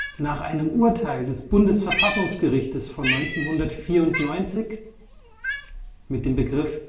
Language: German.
Nach einem Urteil des Bundesverfassungsgerichtes von 1994 („ AWACS I “) bedarf